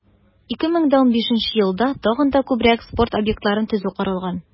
2015 елда тагын да күбрәк спорт объектларын төзү каралган.